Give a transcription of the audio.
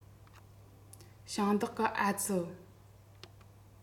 ཞིང བདག གི ཨ ཙི